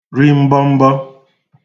ri mbọmbọ